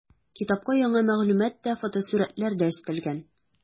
Китапка яңа мәгълүмат та, фотосурәтләр дә өстәлгән.